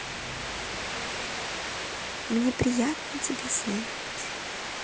мне приятно тебя слышать